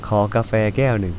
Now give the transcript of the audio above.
ขอกาแฟแก้วหนึ่ง